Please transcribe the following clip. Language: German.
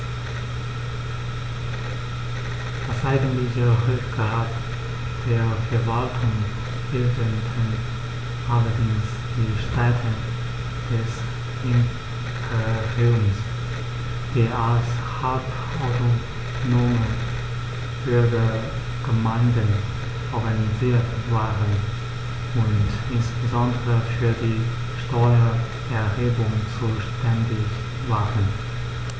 Das eigentliche Rückgrat der Verwaltung bildeten allerdings die Städte des Imperiums, die als halbautonome Bürgergemeinden organisiert waren und insbesondere für die Steuererhebung zuständig waren.